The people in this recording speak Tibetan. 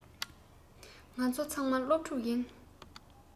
ང ཚོ ཚང མ སློབ ཕྲུག ཡིན